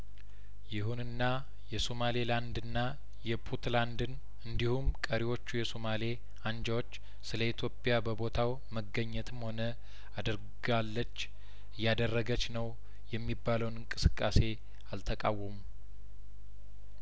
ይሁንና የሶማሌ ላንድና የፑትላንድን እንዲሁም ቀሪዎቹ የሶማሌ አንጃዎች ስለኢትዮጵያ በቦታው መገኘትም ሆነ አድርጋለች እያደረገች ነው የሚባለውን እንቅስቃሴ አልተቃወሙም